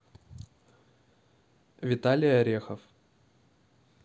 виталий орехов